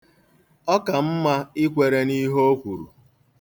Ọ ka mma ikwere n'ihe o kwuru.